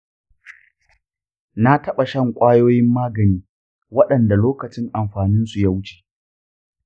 na taɓa shan ƙwayoyin magani waɗanda lokacin amfaninsu ya wuce.